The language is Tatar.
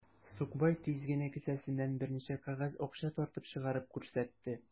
Сукбай тиз генә кесәсеннән берничә кәгазь акча тартып чыгарып күрсәтте.